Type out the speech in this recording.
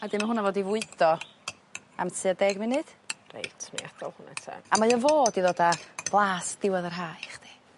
A 'dyn ma' hwnna fod i fwydo am tua deg munud> Reit wnai adal hwnna te. A mae o fod i ddod â blas diwedd yr ha i chdi.